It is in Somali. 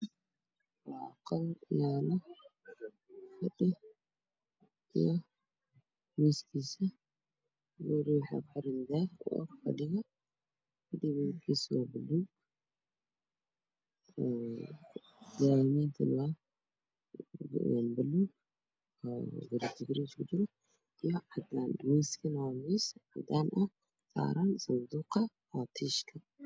Qol yaalo fadhi iyo kuraas fadhiyo waa cadaan